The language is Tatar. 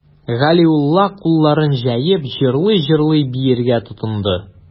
Галиулла, кулларын җәеп, җырлый-җырлый биергә тотынды.